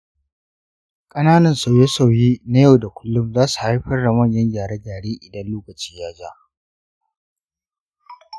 ƙananan sauye-sauye na yau da kullum za su haifar da manyan gyare-gyare idan lokaci ya ja.